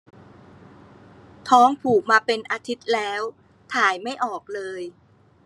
ท้องผูกมาเป็นอาทิตย์แล้วถ่ายไม่ออกเลย